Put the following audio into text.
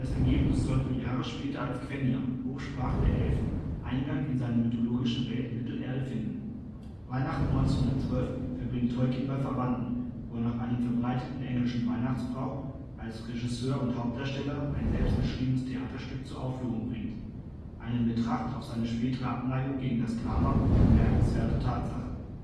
Ergebnis sollte Jahre später als Quenya, Hochsprache der Elben, Eingang in seine mythologische Welt Mittelerde finden. Weihnachten 1912 verbringt Tolkien bei Verwandten, wo er nach einem verbreiteten englischen Weihnachtsbrauch als Regisseur und Hauptdarsteller ein selbstgeschriebenes Theaterstück zur Aufführung bringt – eine in Betracht auf seine spätere Abneigung gegen das Drama bemerkenswerte Tatsache